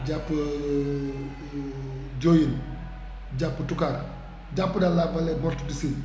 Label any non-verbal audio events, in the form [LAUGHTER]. jàpp [HESITATION] Diohine jàpp Toucar jàpp daal la vallée morte du siin